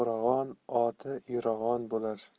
oti yurag'on bo'lar